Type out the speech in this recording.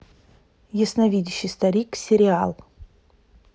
ясновидящий старик сериал